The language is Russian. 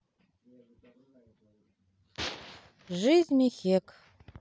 жизнь мехек